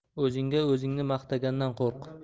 o'zingga o'zingni maqtagandan qo'rq